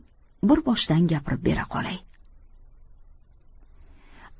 bir boshdan gapirib bera qolay